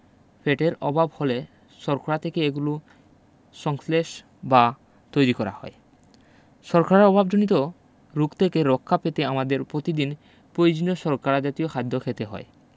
ফ্যাটের অভাব হলে শর্করা থেকে এগুলো সংশ্লেষ বা তৈরী করা হয় শর্করার অভাবজনিত রোগ থেকে রক্ষা পেতে আমাদের প্রতিদিন পয়োজনীয় শর্করা জাতীয় খাদ্য খেতে হয়